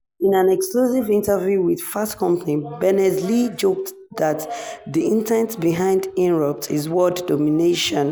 In an exclusive interview with Fast Company, Berners-Lee joked that the intent behind Inrupt is "world domination."